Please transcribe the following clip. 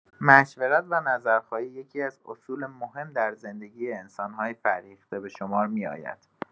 مشورت و نظرخواهی یکی‌از اصول مهم در زندگی انسان‌های فرهیخته به‌شمار می‌آید.